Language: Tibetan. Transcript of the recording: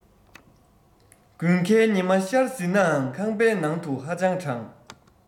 དགུན ཁའི ཉི མ ཤར ཟིན ནའང ཁང པའི ནང དུ ཧ ཅང གྲང